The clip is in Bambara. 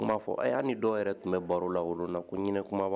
Kuma fɔ a y'a ni dɔw yɛrɛ tun bɛ baro la wolo na ko ɲinin kuma